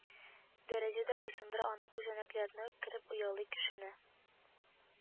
Дәрәҗәдә буйсындыра, аның күзәнәкләренә үк кереп оялый, кешене